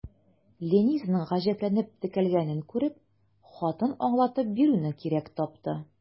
Ленизаның гаҗәпләнеп текәлгәнен күреп, хатын аңлатып бирүне кирәк тапты.